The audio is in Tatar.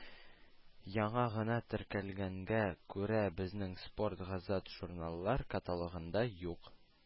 “яңа гына теркәлгәнгә күрә “безнең спорт” газат-журналлар каталогында юк